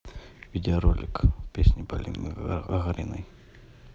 видеоролик песня полины гагариной